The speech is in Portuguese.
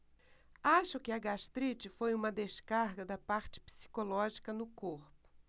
acho que a gastrite foi uma descarga da parte psicológica no corpo